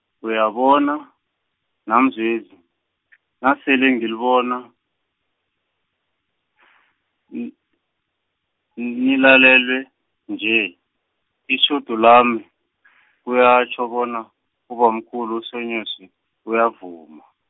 uyabona, NaMzwezi , nasele ngilibona, n-, n- nilalelwe nje, itjhudu lami , kuyatjho bona, ubamkhulu uSoNyosi, uyavuma.